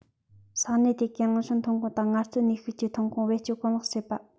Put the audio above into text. ས གནས དེ གའི རང བྱུང ཐོན ཁུངས དང ངལ རྩོལ ནུས ཤུགས ཀྱི ཐོན ཁུངས བེད སྤྱོད གང ལེགས བྱེད པ